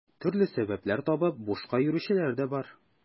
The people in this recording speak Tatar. Төрле сәбәпләр табып бушка йөрүчеләр дә бар.